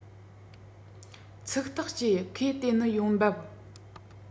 ཚིག ཐག བཅད ཁོས དེ ནི ཡོང འབབ